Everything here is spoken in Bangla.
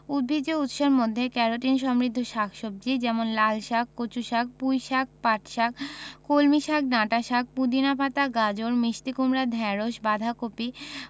উদ্ভিজ্জ উৎসের মধ্যে ক্যারোটিন সমৃদ্ধ শাক সবজি যেমন লালশাক কচুশাক পুঁইশাক পাটশাক কলমিশাক ডাঁটাশাক পুদিনা পাতা গাজর মিষ্টি কুমড়া ঢেঁড়স বাঁধাকপি